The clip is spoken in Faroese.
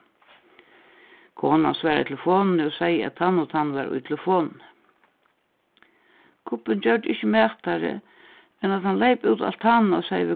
konan svaraði telefonini og segði at tann og tann var í telefonini gubbin gjørdi ikki mætari enn at hann leyp út á altanina og segði við